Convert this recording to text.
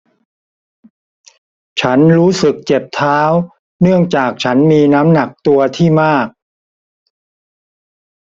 ฉันรู้สึกเจ็บเท้าเนื่องจากฉันมีน้ำหนักตัวที่มาก